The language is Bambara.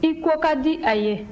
i ko ka di a ye